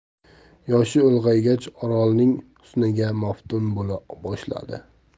yoshi ulg'aygach orolning husniga maftun bo'la boshladi